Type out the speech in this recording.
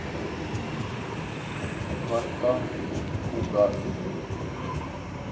вартан угас